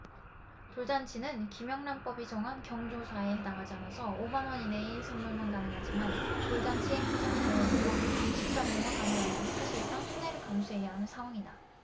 돌잔치는 김영란법이 정한 경조사에 해당하지 않아서 오 만원 이내의 선물만 가능하지만 돌잔치 행사장 대여료와 식사비용을 감안하면 사실상 손해를 감수해야 하는 상황이다